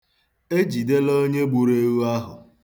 E jidela onye gburu ewu ahụ.